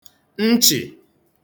nchị̀